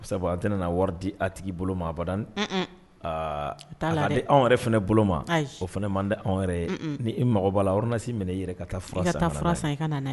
Sabu a tɛna wari di a tigi bolo ma badani, un un, aa, o t’a la dɛ, ka di anw yɛrɛ fana bolo ma, ayi, o fana man di anw yɛrɛ ye ni i mabɔ mago b’a la ordonnance minɛ i yɛrɛ ka taa fura san i ka na n’a ye.